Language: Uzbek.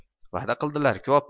va'da qildilar ku